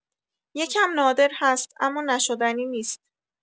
یکم نادر هست اما نشدنی نیست.